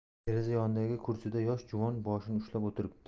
deraza yonidagi kursida yosh juvon boshini ushlab o'tiribdi